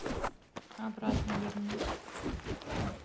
обратно вернись